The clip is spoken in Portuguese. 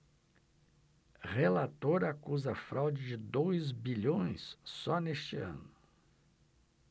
relator acusa fraude de dois bilhões só neste ano